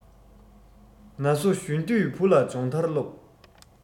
ན སོ གཞོན དུས བུ ལ སྦྱོང ཐར སློབས